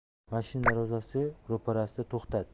mashina darvozasi ro'parasida to'xtadi